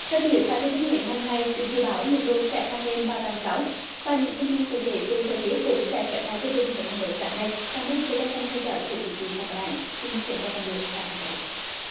thời tiết tại thừa thiên huế ngày hôm nay được dự báo nhiệt độ sẽ tăng lên vào tạnh ráo và những thông tin cụ thể về thời tiết cũng sẽ khép lại chương trình huế ngày mới sáng nay cám ơn sự quan tâm theo dõi của quý vị và các bạn xin kính chào tạm biệt và hẹn gặp lại